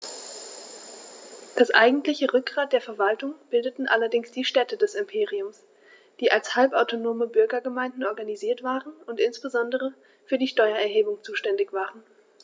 Das eigentliche Rückgrat der Verwaltung bildeten allerdings die Städte des Imperiums, die als halbautonome Bürgergemeinden organisiert waren und insbesondere für die Steuererhebung zuständig waren.